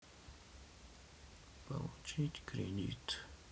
получить кредит